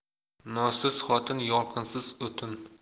nozsiz xotin yolqinsiz o'tin